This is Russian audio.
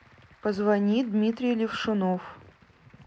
позвони дмитрий левшунов